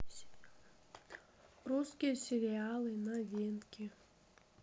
русские сериалы новинки